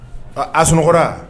Ɔ a sunɔgɔ yan